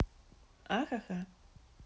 ахаха